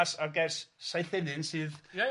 A s- a'r gair s- saith enyn sydd ia ia.